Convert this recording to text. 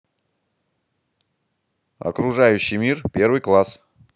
окружающий мир первый класс